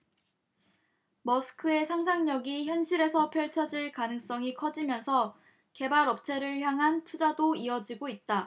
머스크의 상상력이 현실에서 펼쳐질 가능성이 커지면서 개발업체를 향한 투자도 이어지고 있다